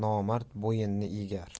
nomard bo'yinni egar